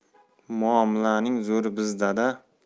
muomalaning zo'ri bizda da